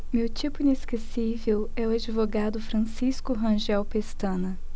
meu tipo inesquecível é o advogado francisco rangel pestana